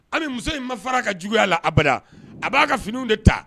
A bɛ muso in ma fara ka juguyaya la aba a b'a ka finiw de ta